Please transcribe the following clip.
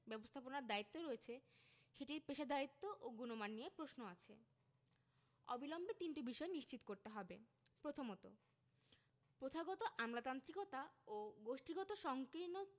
ব্যবস্থাপনার দায়িত্ব রয়েছে সেটির পেশাদারিত্ব ও গুণমান নিয়ে প্রশ্ন আছে অবিলম্বে তিনটি বিষয় নিশ্চিত করতে হবে প্রথমত প্রথাগত আমলাতান্ত্রিকতা ও গোষ্ঠীগত সংকীর্ণ